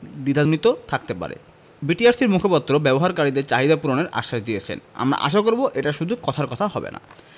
দ্বিধান্বিত থাকতে পারে বিটিআরসির মুখপাত্র ব্যবহারকারীদের চাহিদা পূরণের আশ্বাস দিয়েছেন আমরা আশা করব এটা শুধু কথার কথা হবে না